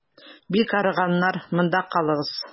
Бик арыганнар, монда калыгыз.